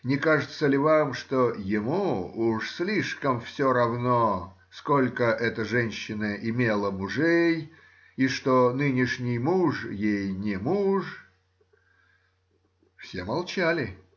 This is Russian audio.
не кажется ли вам, что ему уж слишком все равно, сколько эта женщина имела мужей и что нынешний муж — ей не муж? Все молчали